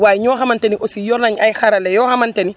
waaye ñoo xamante ni aussi yor nañu ay xarale yoo xamante ni